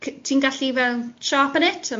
...c- ti'n gallu fel, sharpen it?